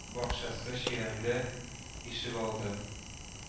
Бакчасы, чирәмле ишегалды